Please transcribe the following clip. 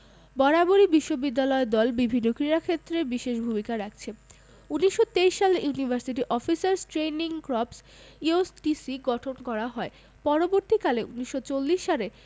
বরাবরই বিশ্ববিদ্যালয় দল বিভিন্ন ক্রীড়াক্ষেত্রে বিশেষ ভূমিকা রাখছে ১৯২৩ সালে university officers training corps UOTC গঠন করা হয় পরবর্তীকালে ১৯৪০ সালের